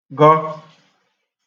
gọ